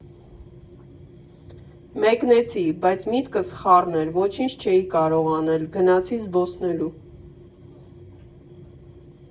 Մեկնեցի, բայց միտքս խառն էր, ոչինչ չէի կարող անել, գնացի զբոսնելու։